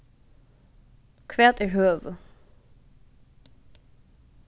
hvat er høvið